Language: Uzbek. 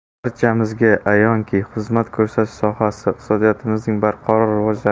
barchamizga ayonki xizmat ko'rsatish sohasi iqtisodiyotimizni barqaror